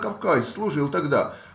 на Кавказе служил тогда,